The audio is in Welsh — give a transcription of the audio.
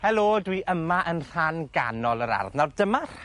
Helo dwi yma yn rhan ganol yr ardd nawr dyma